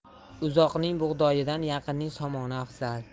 uzoqning bug'doyidan yaqinning somoni afzal